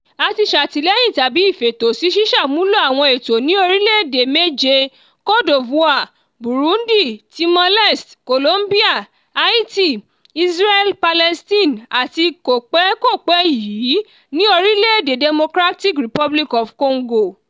A ti ṣàtìlẹ́yìn tàbí ṣe ìfétòsí sísàmúlò àwọn ètò ní orílẹ̀ èdè méje: Cote d'Ivoire, Burundi, Timor Leste, Colombia, Haiti, Isreal-Palestine àti, ní kòpẹ́kòpẹ́ yìí, ní orílẹ̀ èdè Democratic Republic of Congo.